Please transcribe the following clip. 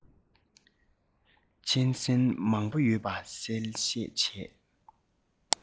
གཅན གཟན མང པོ ཡོད པ གསལ བཤད བྱས